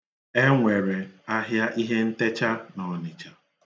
E nwere ahịa ihentecha n'Ọnịcha.